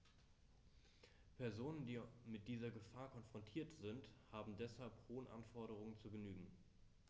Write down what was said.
Personen, die mit dieser Gefahr konfrontiert sind, haben deshalb hohen Anforderungen zu genügen.